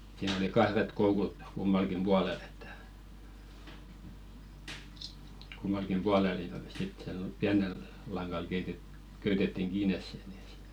siinä oli kahdet koukut kummallakin puolella että kummallakin puolella niitä oli sitten siellä oli pienellä langalla - köytettiin kiinni se niin se